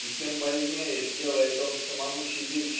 и тем больнее сделает он самому себе